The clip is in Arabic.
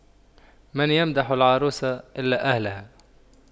من يمدح العروس إلا أهلها